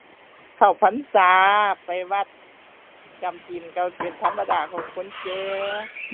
เข้าพรรษา ไปวัดจำศีล ก็เป็นธรรมดาของคนแก่